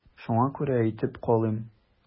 Шуңа күрә әйтеп калыйм.